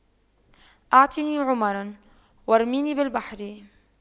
اعطني عمرا وارميني بالبحر